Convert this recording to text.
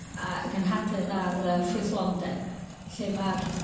a gynhadledd ar yy frwythlondeb, lle ma'r